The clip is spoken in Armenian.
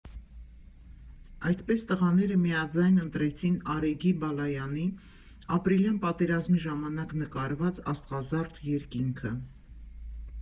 Այդպես տղաները միաձայն ընտրեցին Արեգի Բալայանի՝ Ապրիլյան պատերազմի ժամանակ նկարված աստղազարդ երկինքը»։